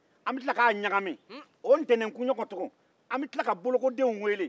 an be tila k'a ɲagami o ntɛnɛ kunɲɔgɔn an bɛ bolokodenw weele